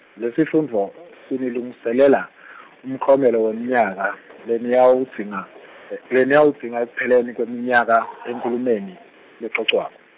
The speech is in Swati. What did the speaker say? lesifundvo sinilungiselela , umklomelo wemnyaka , leniyowudzinga e leniyowudzinga ekupheleni kwemnyaka enkhulumeni lecocwako.